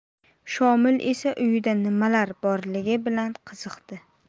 shomil esa uyida nimalar borligi bilan qiziqdi